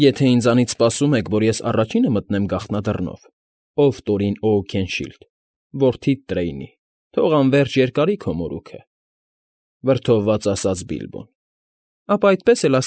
Եթե ինձնից սպասում եք, որ ես առաջինը մտնեմ գաղտնադռնով, ով Տորին Օուքենշիլդ, որդիդ Տրեյնի, թող անվերջ երկարի ոք մորուքը,֊ վրդովված ասաց Բիլբոն,֊ ապա այդպես էլ։